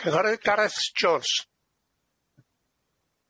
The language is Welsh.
Cyfarydd Gareth Jones.